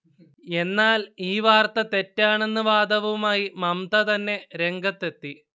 എന്നാൽ ഈ വാർത്ത തെറ്റാണെന്ന് വാദവുമായി മംമ്ത തന്നെ രംഗത്തെത്തി